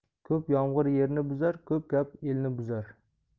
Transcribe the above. ko'p yomg'ir yerni buzar ko'p gap elni buzar